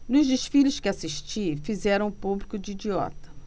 nos desfiles que assisti fizeram o público de idiota